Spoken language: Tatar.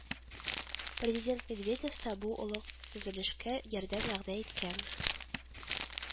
Президент Медведев та бу олуг төзелешкә ярдәм вәгъдә иткән